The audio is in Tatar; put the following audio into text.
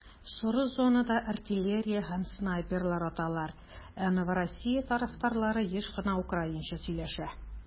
Соры зонада артиллерия һәм снайперлар аталар, ә Новороссия тарафтарлары еш кына украинча сөйләшә.